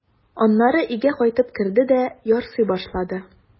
Аннары өйгә кайтып керде дә ярсый башлады.